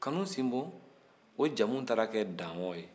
kanusinbon o jamu taara kɛ daɲɔ ye